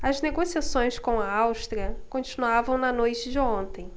as negociações com a áustria continuavam na noite de ontem